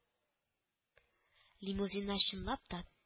Лимузиннар, чынлап та